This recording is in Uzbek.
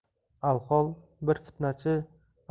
alhol bir fitnachi